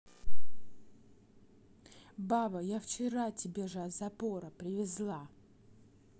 баба я вчера тебе же от запора привезла